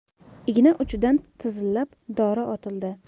igna uchidan tizillab dori otildi